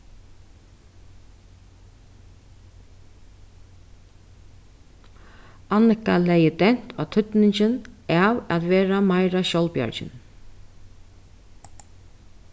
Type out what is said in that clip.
annika legði dent á týdningin av at vera meira sjálvbjargin